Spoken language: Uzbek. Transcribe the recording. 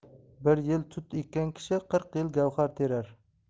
bir yil tut ekkan kishi qirq yil gavhar terar